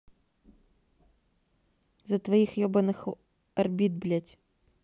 за твоих ебаных орбит блядь